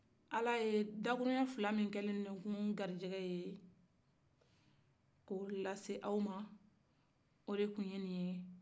ala ye dakuruyan fila min kɛ n nɛnkun garijigɛ ye k'o lase aw ma o de tu ye nin ye